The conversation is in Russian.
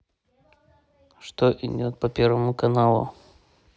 что идет по первому каналу